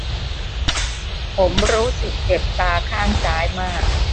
ผมรู้สึกเจ็บตาข้างซ้ายมาก